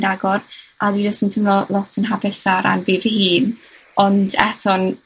ragor, a dwi jyst yn teimlo lot yn hapusa o ran fi fy hun. Ond eto'n,